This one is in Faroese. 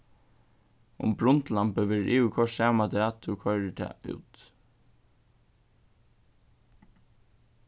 um brundlambið verður yvirkoyrt sama dag tú koyrir tað út